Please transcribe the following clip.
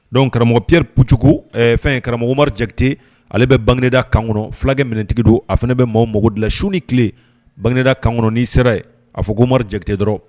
Don karamɔgɔpiɛriku kojugu fɛn ye karamɔgɔmaru jatete ale bɛ banda kan kɔnɔ fulakɛ minɛntigi don a fana bɛ maaw mako dilans ni tile bangegda kan kɔnɔ ni sera a fɔ komaru ja jatete dɔrɔn